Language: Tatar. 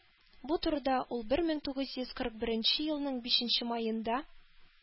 Бу турыда ул бер мең тугыз йөз кырык беренче елның бишенче маенда